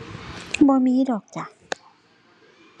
บ่มีดอกจ้ะ